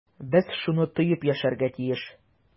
Без шуны тоеп яшәргә тиеш.